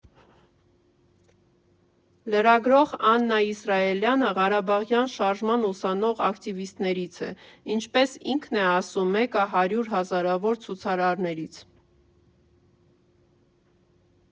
Լրագրող Աննա Իսրայելյանը Ղարաբաղյան շարժման ուսանող ակտիվիստներից է, ինչպես ինքն է ասում՝ մեկը հարյուր հազարավոր ցուցարարներից։